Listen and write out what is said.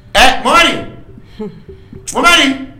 Ɛɛ boriugri